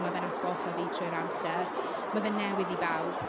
Ma' fe'n atgoffa fi trwy'r amser, ma' fe'n newydd i bawb.